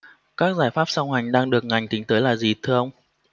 các giải pháp song hành đang được ngành tính tới là gì thưa ông